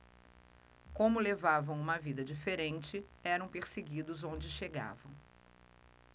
como levavam uma vida diferente eram perseguidos onde chegavam